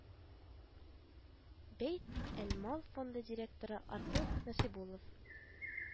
“бәйт әл-мал” фонды директоры артур насыйбуллов